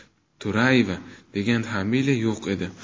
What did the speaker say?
to'rayeva degan familiya yo'q edi